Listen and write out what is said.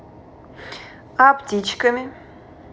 а птичками